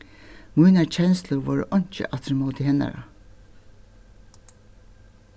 mínar kenslur vóru einki aftur ímóti hennara